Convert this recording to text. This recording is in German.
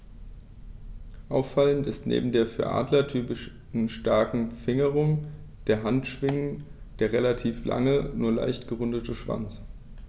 Auffallend ist neben der für Adler typischen starken Fingerung der Handschwingen der relativ lange, nur leicht gerundete Schwanz.